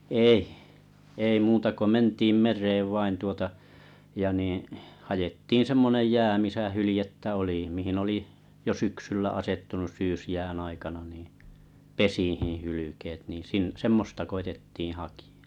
ei ei muuta kuin mentiin mereen vain tuota ja niin haettiin semmoinen jää missä hyljettä oli mihin oli jo syksyllä asettunut syysjään aikana niin pesiin hylkeet niin - semmoista koetettiin hakea